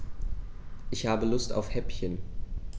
Ich habe Lust auf Häppchen.